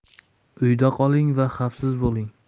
uyda qoling va xafsiz bo'ling